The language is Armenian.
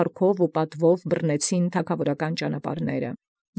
Շքով և բազում վայելչութեամբ ունէին զճանապարհս արքունականս։